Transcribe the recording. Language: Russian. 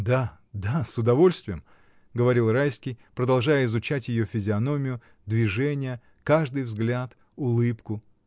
— Да, да, с удовольствием, — говорил Райский, продолжая изучать ее физиономию, движения, каждый взгляд, улыбку.